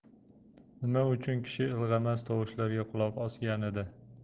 nima uchun kishi ilg'amas tovushlarga quloq osganida